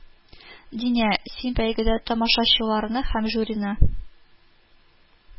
Динә, син бәйгедә тамашачыларны һәм жюрины